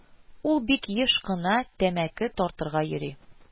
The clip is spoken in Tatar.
Ул бик еш кына тәмәке тартырга йөри